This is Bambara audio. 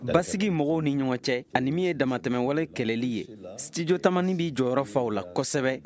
basigi mɔgɔw ni ɲɔgɔn cɛ ani min ye damatɛmɛwale kɛlɛli ye studio tamani b'i jɔyɔrɔ fa o la kosɛbɛ